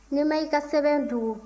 ne ma i ka sɛbɛn dogo